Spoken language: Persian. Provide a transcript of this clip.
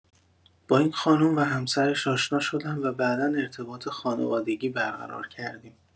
با این خانم و همسرش آشنا شدم و بعدا ارتباط خانوادگی برقرار کردیم.